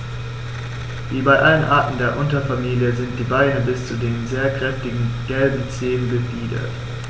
Wie bei allen Arten der Unterfamilie sind die Beine bis zu den sehr kräftigen gelben Zehen befiedert.